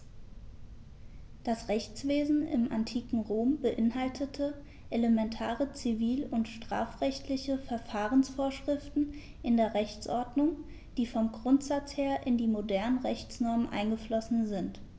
Das Rechtswesen im antiken Rom beinhaltete elementare zivil- und strafrechtliche Verfahrensvorschriften in der Rechtsordnung, die vom Grundsatz her in die modernen Rechtsnormen eingeflossen sind.